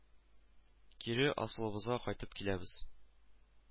Кире асылыбызга кайтып киләбез